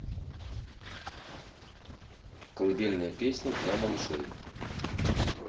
колыбельная песня для малышей